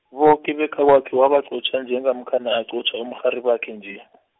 boke bekhakwakhe wabaqotjha njengamkhana aqotjha umrharibakhe nje .